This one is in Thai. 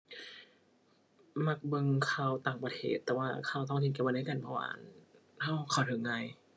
มักเบิ่งข่าวต่างประเทศ แต่ว่าข่าวท้องถิ่นก็เบิ่งได้คือกัน เพราะว่า อั่น ก็เข้าก็ง่าย